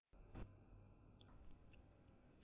བསམ པའི དཔལ ཡོན དར ཞིང རྒྱས པ ལ